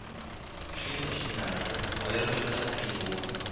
Шина өчен гаражы, аерым йортта кер юу